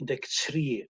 un deg tri